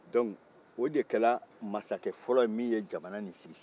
dɔnki o de kɛra masakɛ fɔlɔ yemin ye jamana in sigi